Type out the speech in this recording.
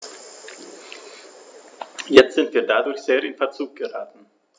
Jetzt sind wir dadurch sehr in Verzug geraten.